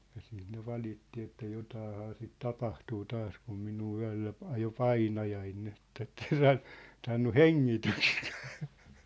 ja sitten ne valitti että jotakinhan sitä tapahtuu taas kun minua yöllä - ajoi painajainen niin että että en saa saanut hengitystäkään